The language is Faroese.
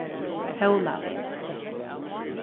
hólavegur